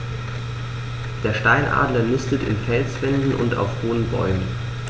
Der Steinadler nistet in Felswänden und auf hohen Bäumen.